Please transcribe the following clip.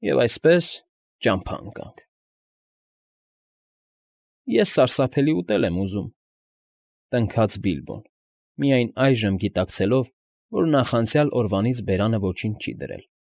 Եվ այսպես, ճամփա ընկանք։ ֊ Ես սարսափելի ուտել եմ ուզում,֊ տնքաց Բիլբոն, միայն այժմ գիտակցելով, որ նախանցյալ օրվանից բերանը ոչինչ չի դրել։